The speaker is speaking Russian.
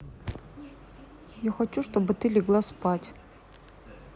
я хочу чтобы ты легла спать